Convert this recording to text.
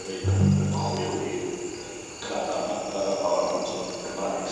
yn wneud ym- ymchwil i yy gradda' ma- yy o faint o Gymraeg